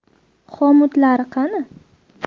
xomutlari qani